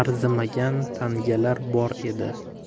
arzimagan tangalar bor edi